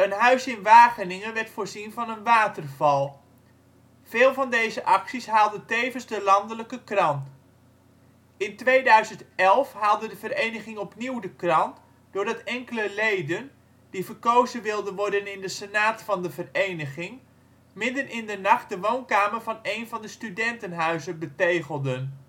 huis in Wageningen werd voorzien van een waterval. Veel van deze acties haalden tevens de landelijke krant. In 2011 haalde de vereniging opnieuw de krant doordat enkele leden, die verkozen wilden worden in de senaat van de vereniging, midden in de nacht de woonkamer van een van de studentenhuizen betegelden